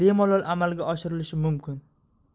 bemalol amalga oshirilishi mumkin